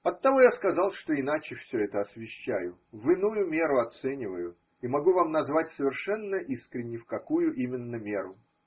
Оттого я сказал, что иначе все это освещаю, в иную меру оцениваю, и могу вам назвать совершенно искренне, в какую именно меру.